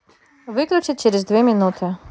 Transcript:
выключить через две минуты